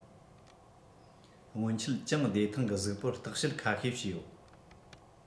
སྔོན ཆད གྱང བདེ ཐང གི གཟུགས པོར བརྟག དཔྱད ཁ ཤས བྱོས ཡོད